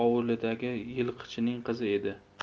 ovulidagi yilqichining qizi edi